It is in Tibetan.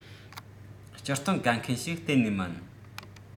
སྤྱིར བཏང དགའ མཁན ཞིག གཏན ནས མིན